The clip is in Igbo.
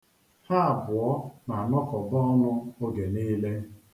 Ha abụọ na-anọkọbọ ọnụ oge niile.